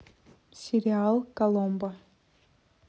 сериал коломбо